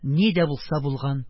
Ни дә булса булган: